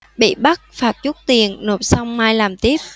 bị bắt phạt chút tiền nộp xong mai làm tiếp